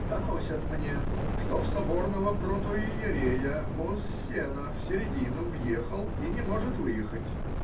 доносят мне, что в соборного протоиерея воз сена в середину въехал и не может выехать.